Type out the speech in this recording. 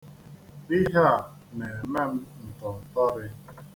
Ihe a na-eme m ntọntọrị.